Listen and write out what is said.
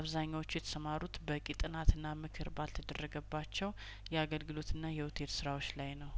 አብዛኞቹ የተሰማሩት በቂ ጥናትና ምክር ባልተደረገባቸው የአገልግሎትና የሆቴል ስራዎች ላይ ነው